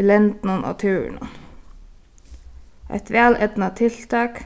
í lendinum á túrinum eitt væleydnað tiltak